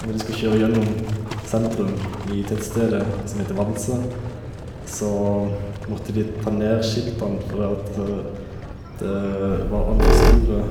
Og når de skulle kjøre gjennom sentrum i tettstedet, som heter Vanse, så måtte de tar ned skiltene, fordi at t det var altfor store...